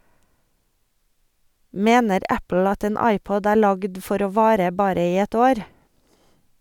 - Mener Apple at en iPod er lagd for å vare bare i ett år?